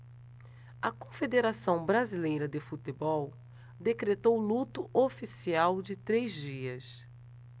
a confederação brasileira de futebol decretou luto oficial de três dias